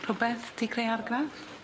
Rwbeth 'di creu' argraff?